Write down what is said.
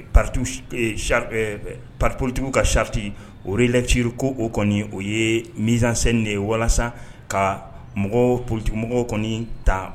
Parti politique, ka charte o relecture ko o kɔni, o ye mise en scène de ye walasa ka mɔgɔw, paritimɔgɔw ta